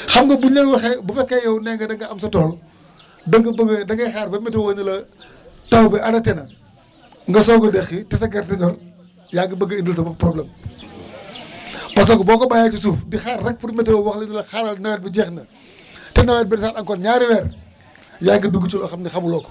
xam nga bu ñu leen waxee bu fekkee yow nee nga da ngaa am sa tool da nga bëgg a da ngay xaar ba météo ne la taw bi arrêté na nga soog a deqi te sa gerte ñor yaa ngi bëgg a indil sa bopp problème parce que boo ko bàyyee ci suuf di xaar rek pour météo wax la ni la xaaral nawet bi jeex te nawet bi desaat encore ñaari weer yaa ngi dugg ci loo xam ne xamuloo ko